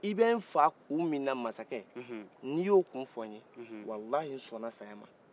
i bɛ n faa kun minnan dɛ masakɛ ni y'o kun fɔ nye walayi sɔnan sayama